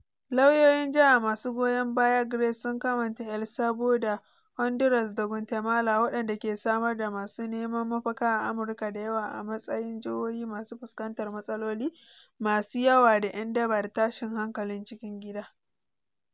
Lauyoyin jiha masu goyon bayan Grace sun kamanta El Salvador, Honduras da Guatemala, waɗanda ke samar da masu neman mafaka a Amurka da yawa, a matsayin jihohi masu fuskantar matsaloli masu yawa da yan daba da tashn hankalin cikin gida.